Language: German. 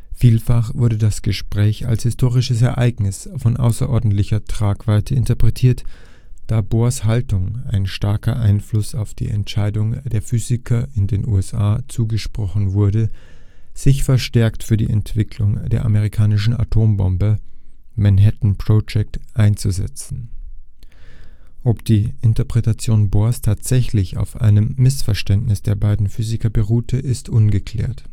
Vielfach wurde das Gespräch als historisches Ereignis von außerordentlicher Tragweite interpretiert, da Bohrs Haltung ein starker Einfluss auf die Entscheidung der Physiker in den USA zugesprochen wurde, sich verstärkt für die Entwicklung der amerikanischen Atombombe (Manhattan-Projekt) einzusetzen. Ob die Interpretation Bohrs tatsächlich auf einem Missverständnis der beiden Physiker beruhte, ist ungeklärt